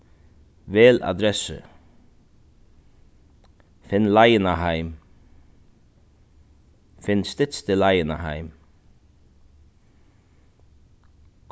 vel adressu finn leiðina heim finn stytstu leiðina heim